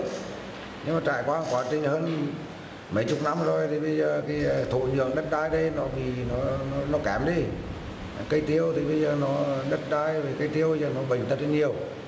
nhưng mà trải qua quá trình hơn mấy chục năm rồi thì bây giờ cái thổ nhưỡng đất đai để nó bị nó nó kém đi cây tiêu thì bây giờ nó đất đai về cây tiêu giờ nó bệnh tật lên nhiều